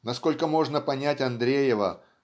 Насколько можно понять Андреева